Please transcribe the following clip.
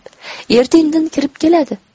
erta indin kirib keladi